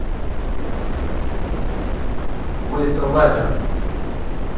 улица ламеров